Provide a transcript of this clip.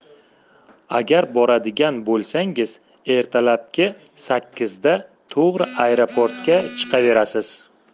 agar boradigan bo'lsangiz ertalabki sakkizda to'g'ri aeroportga chiqaverasiz